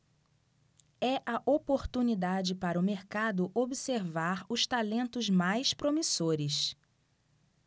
é a oportunidade para o mercado observar os talentos mais promissores